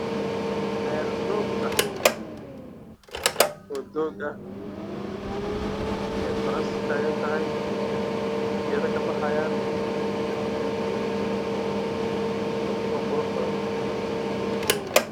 Waa beer waxa jooga Dameer Dhulka waa cagaar